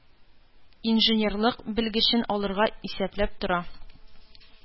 Инженерлык белгечлеген алырга исәпләп тора.